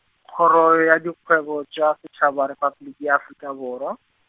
Kgoro ya Dikgwebo tša Setšhaba Repabliki ya Afrika Borwa.